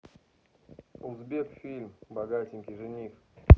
узбекфильм богатенький жених